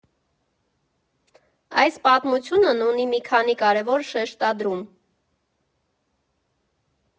Այս պատմությունն ունի մի քանի կարևոր շեշտադրում։